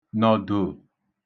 nọ̀dò